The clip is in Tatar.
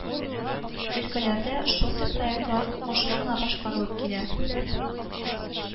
Өлкәләрдә шундый проектлар уңышлы гына башкарылып килә